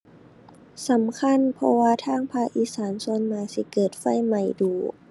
สำคัญ เพราะว่าทางภาคอีสาน ส่วนมากสิเกิดไฟไหม้ดู๋